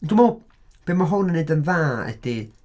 Dwi'n meddwl beth mae hwn yn wneud yn dda ydy...